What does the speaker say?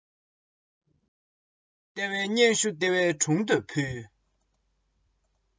ལྟེ བའི སྙན ཞུ ལྟེ བའི དྲུང དུ ཕུལ